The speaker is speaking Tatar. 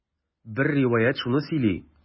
Бер риваять шуны сөйли.